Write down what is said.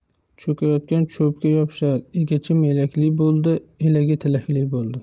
cho'kayotgan cho'pga yopishar egachim elakli bo'ldi elagi tilakli bo'ldi